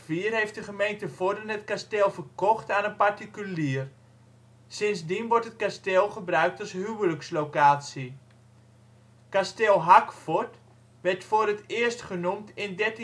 2004 heeft de gemeente Vorden het kasteel verkocht aan een particulier. Sindsdien wordt het kasteel gebruikt als huwelijkslocatie. Kasteel Hackfort werd voor het eerst genoemd in 1324